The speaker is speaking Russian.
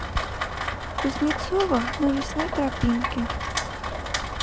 кузнецова на лесной тропинке